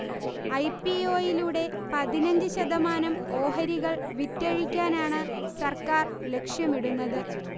I. P. O. യിലൂടെ പതിനഞ്ച് ശതമാനം ഓഹരികൾ വിറ്റഴിക്കാനാണ് സർക്കാർ ലക്ഷ്യമിടുന്നത്